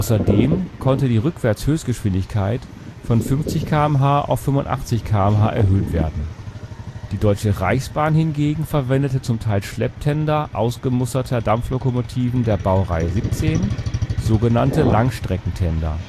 Außerdem konnte die Rückwärtshöchstgeschwindigkeit von 50 km/h auf 85 km/h erhöht werden. Die Deutsche Reichsbahn hingegen verwendete zum Teil Schlepptender ausgemusterter Dampflokomotiven der Baureihe 17, sogenannte Langstreckentender